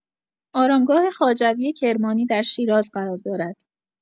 آرامگاه خواجوی کرمانی در شیراز قرار دارد.